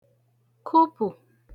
kupụ̀